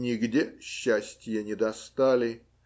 нигде счастья не достали.